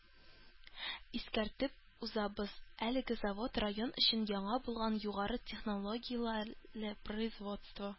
Искәртеп узабыз, әлеге завод – район өчен яңа булган югары технологияле производство